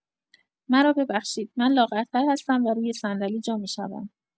مرا ببخشید، من لاغرتر هستم و روی صندلی جا می‌شوم!